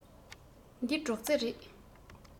འདི སྒྲོག རྩེ རེད